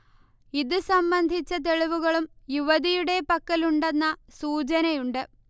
ഇത് സംബന്ധിച്ച തെളിവുകളും യുവതിയുടെ പക്കലുണ്ടെന്ന സൂചനയുണ്ട്